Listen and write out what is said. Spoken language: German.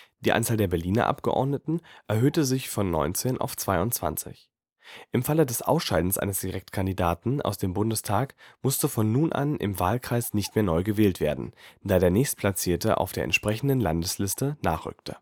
Die Anzahl der Berliner Abgeordneten erhöhte sich von 19 auf 22. Im Falle des Ausscheidens eines Direktkandidaten aus dem Bundestag musste von nun an im Wahlkreis nicht mehr neu gewählt werden, da der Nächstplatzierte auf der entsprechenden Landesliste nachrückte